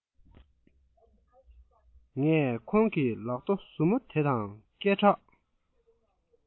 ངས ཁོང གི ལག རྡོ གཟུ མོ དེ དང སྐད འགྲག